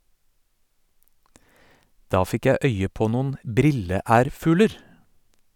Da fikk jeg øye på noen brilleærfugler.